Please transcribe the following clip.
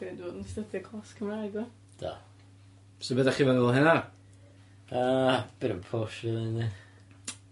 Be' 'di bod yn stydio class Cymraeg yfe? Do. So be' 'dach chi feddwl o hynna? Yy bit of a push rili yndi?